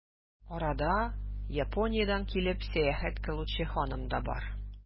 Арада, Япониядән килеп, сәяхәт кылучы ханым да бар.